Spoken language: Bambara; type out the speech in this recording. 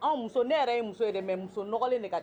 Anw muso ne yɛrɛ ye muso yɛrɛ muso